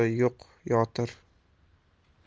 oti yo'q yotir